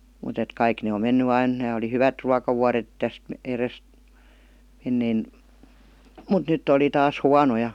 mutta että kaikki ne on mennyt aina nämä oli hyvät ruokavuodet tästä edestä ennen mutta nyt oli taas huonoja